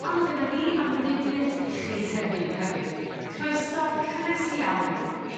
A ma' gynnon ni amrywieth i chi heddiw hefyd croeso cynnes iawn i...